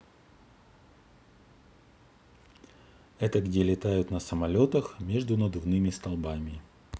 это где летают на самолетах между надувными столбами